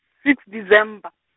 six December.